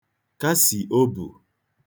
kasì obù